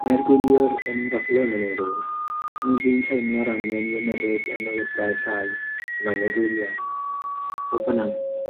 Mae'r gwyliwr yn fodlon yn ei rôl ac nid yw'n teimlo'r angen i ymyrryd ym mywydau'r rhai y mae'n eu gwylio. Fodd bynnag